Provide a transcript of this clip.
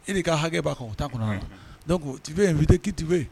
E' ka hakɛ b'a kan o taa kɔnɔ la tife yen v tɛ kiti yen